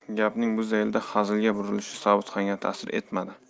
gapning bu zaylda hazilga burilishi sobitxonga ta'sir etmadi